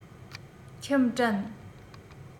ཁྱིམ དྲན